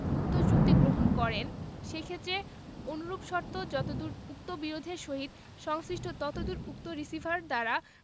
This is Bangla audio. উক্ত চুক্তি গ্রহণ করেন সেইক্ষেত্রে অনুরূপ শর্ত যতদূর উক্ত বিরোধের সহিত সংশ্লিষ্ট ততদূর উক্ত রিসিভার দ্বারা